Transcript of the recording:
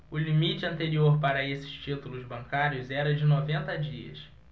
o limite anterior para estes títulos bancários era de noventa dias